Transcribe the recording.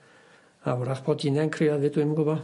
A 'w'rach bod innau'n crio 'fyd dwi'm yn gwbo.